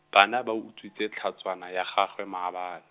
bana ba utswitse tlhatswana ya gagwe maabane.